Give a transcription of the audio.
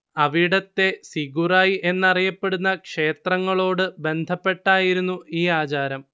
അവിടത്തെ സിഗുറായി എന്നറിയപ്പെടുന്ന ക്ഷേത്രങ്ങളോട് ബന്ധപ്പെട്ടായിരുന്നു ഈ ആചാരം